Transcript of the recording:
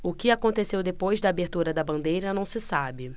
o que aconteceu depois da abertura da bandeira não se sabe